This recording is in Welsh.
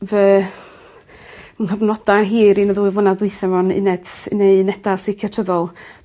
fy nghyfnoda hir un neu ddwy flynadd dwitha mewn uned neu uneda seiciatryddol